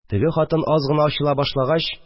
Теге хатын аз гына ачыла башлагач